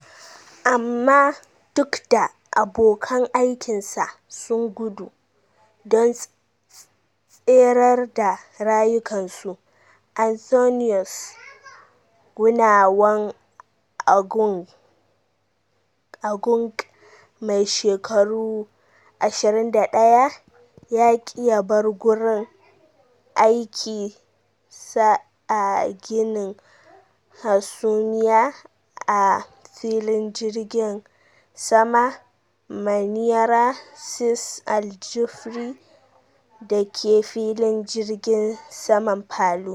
Amma duk da abokan aikin sa sun gudu don tserar da rayukansu, Anthonius Gunawan Agung, mai shekaru 21, ya ki ya bar gurin aikin sa a gini hasumiya a filin jirgin saman Maniara Sis Al Jufri dake filin jirgin saman Palu.